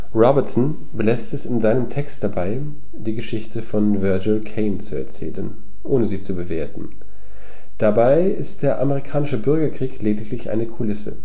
Robertson belässt es in seinem Text dabei, die Geschichte von Virgil Caine zu erzählen, ohne sie zu bewerten, dabei ist der amerikanische Bürgerkrieg lediglich eine Kulisse